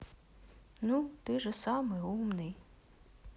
ну ты же самый умный